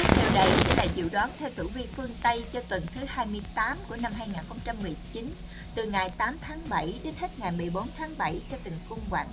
tiếp theo đây sẽ là dự đoán theo tử vi phương tây cho tuần thứ của năm từ ngày đến hết ngày cho từng cung hoàng đạo